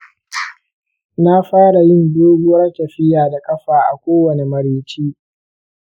na fara yin doguwar tafiya da ƙafa a kowane marece.